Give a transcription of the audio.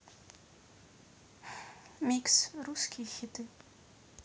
микс русские хиты